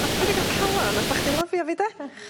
Dwi 'di ga'l calon am bo' chdi lyfio fi 'de?